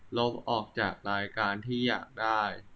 ลบออกจากรายการที่อยากได้